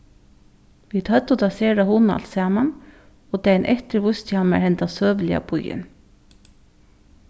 vit høvdu tað sera hugnaligt saman og dagin eftir vísti hann mær henda søguliga býin